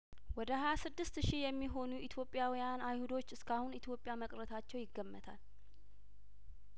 ወደ ሀያስድስት ሺህ የሚሆኑ ኢትዮጵያውያን አይሁዶች እስካሁን ኢትዮጵያ መቅረታቸው ይገመታል